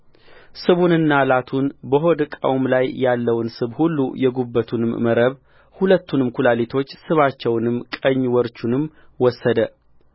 ስቡንና ላቱን በሆድ ዕቃውም ላይ ያለውን ስብ ሁሉ የጕበቱንም መረብ ሁለቱንም ኵላሊቶች ስባቸውንም ቀኝ ወርቹንም ወሰደ